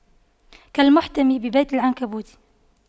كالمحتمي ببيت العنكبوت